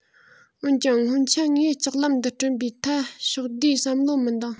འོན ཀྱང སྔོན ཆད ངས ལྕགས ལམ འདི སྐྲུན པའི ཐད ཕྱོགས བསྡུས བསམ བློ མི འདང